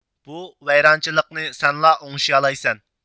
بۇ ۋەيرانچىلىكنى سەنلا ئوڭشىيالايسەن